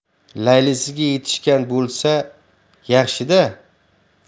laylisiga yetishgan bo'lsa yaxshi da